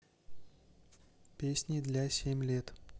песни для семь лет